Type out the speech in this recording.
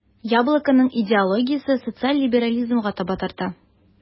"яблоко"ның идеологиясе социаль либерализмга таба тарта.